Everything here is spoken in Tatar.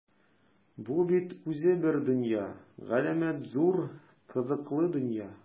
Бу бит үзе бер дөнья - галәмәт зур, кызыклы дөнья!